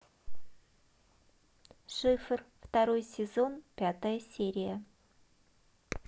шифр второй сезон пятая серия